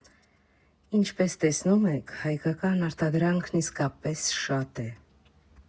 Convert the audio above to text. Ինչպես տեսնում եք, հայկական արտադրանքն իսկապես շատ է։